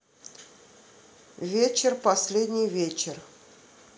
вечер последний вечер